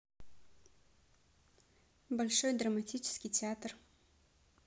большой драматический театр